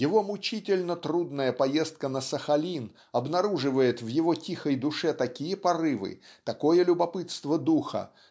его мучительно трудная поездка на Сахалин обнаруживает в его тихой душе такие порывы такое любопытство духа